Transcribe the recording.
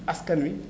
askan wi